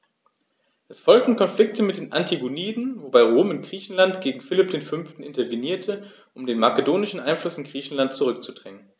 Es folgten Konflikte mit den Antigoniden, wobei Rom in Griechenland gegen Philipp V. intervenierte, um den makedonischen Einfluss in Griechenland zurückzudrängen.